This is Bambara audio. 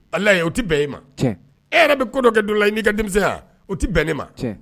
Ala ye o tɛ bɛn e ma e yɛrɛ bɛ kodo dɔ kɛ du la i n'i ka denmisɛnmiya o tɛ bɛn ne ma